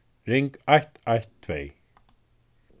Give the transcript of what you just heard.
ring eitt eitt tvey